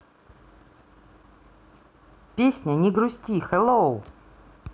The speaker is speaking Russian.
песня не грусти hello